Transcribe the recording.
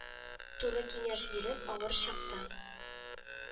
Туры киңәш биреп, авыр чакта